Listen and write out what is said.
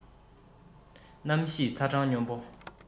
གནམ གཤིས ཚ གྲང སྙོམས པ